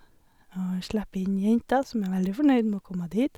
Og slepp inn jenta, som er veldig fornøyd med å komme dit.